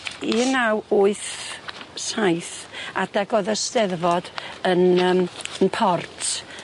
un naw wyth saith adag o'dd y Eisteddfod yn yym yn Port.